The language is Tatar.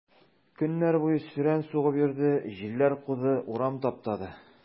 Көннәр буе сөрән сугып йөрде, җилләр куды, урам таптады.